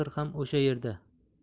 mehr ham o'sha yerda